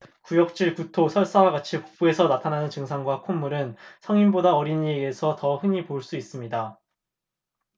구역질 구토 설사와 같이 복부에서 나타나는 증상과 콧물은 성인보다 어린이에게서 더 흔히 볼 수 있습니다